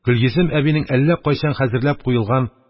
Гөлйөзем әбинең әллә кайчан хәзерләп куелган